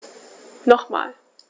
Nochmal.